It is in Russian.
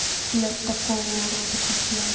для такого урода как я